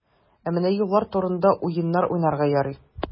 Ә менә юллар турында уеннар уйнарга ярый.